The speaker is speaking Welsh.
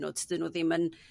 n'w tydyn n'w ddim yn